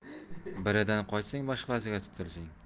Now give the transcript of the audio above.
biridan qochsang boshqasiga tutilsang